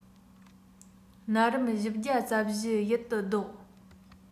ནད རིམས བཞི བརྒྱ རྩ བཞི ཡུལ དུ བཟློག